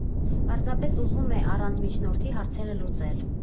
Պարզապես ուզում է առանց միջնորդի հարցերը լուծել։